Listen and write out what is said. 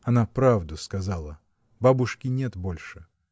Она правду сказала: бабушки нет больше.